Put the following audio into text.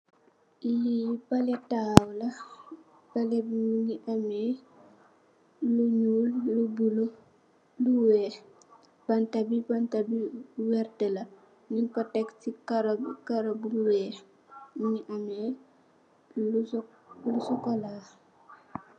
Lii bale tahaw la, bale bi mingi ame lu nyuul , lu bula, lu weex, banta bi, banta bu werta, nying ko teg, si karo bu weex, mingi ame lu sokola.